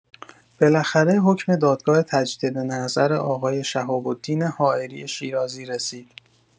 بالاخره حکم دادگاه تجدید نظر آقای شهاب‌الدین حائری شیرازی رسید.